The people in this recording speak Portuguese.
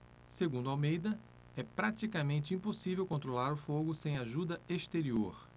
segundo almeida é praticamente impossível controlar o fogo sem ajuda exterior